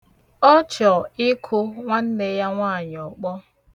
Ọ chọ ịkụ nwanne ya nwaanyị ọkpọ.